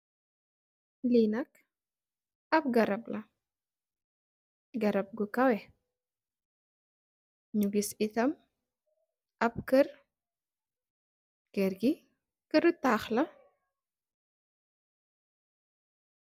Li nak ap garap la, garap ngu kawèh . Ñu gis yitam ap kér, kèr ngi kèr ru taax la.